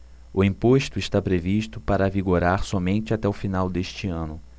o imposto está previsto para vigorar somente até o final deste ano